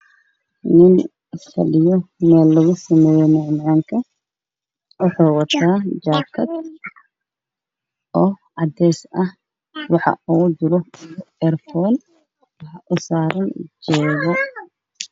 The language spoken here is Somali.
Nin fadhiya meesha lagu sameeyo macmacaan ka